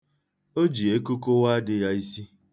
O ji eku kụwaa di ya isi.